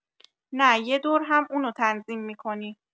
نه یه دور هم اونو تنظیم می‌کنی